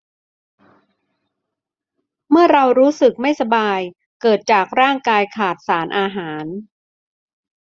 เมื่อเรารู้สึกไม่สบายเกิดจากร่างกายขาดสารอาหาร